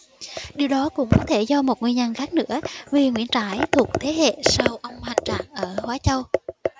điều đó cũng có thể do một nguyên nhân khác nữa vì nguyễn trãi thuộc thế hệ sau ông hành trạng ở hóa châu